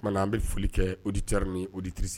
Mana an bɛ foli kɛ odi cari min oditiririse